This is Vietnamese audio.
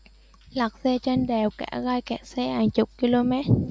lật xe trên đèo cả gây kẹt xe hàng chục km